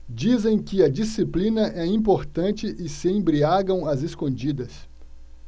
dizem que a disciplina é importante e se embriagam às escondidas